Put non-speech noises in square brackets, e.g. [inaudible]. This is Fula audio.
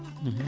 [hesitation] [hesitation]